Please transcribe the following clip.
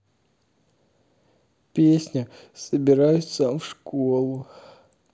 песня собираюсь сам в школу